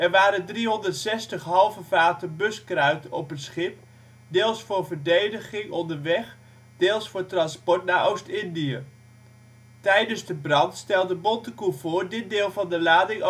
waren 360 halve vaten buskruit op het schip, deels voor verdediging onderweg, deels voor transport naar Oost-Indië. Tijdens de brand stelde Bontekoe voor dit deel van de lading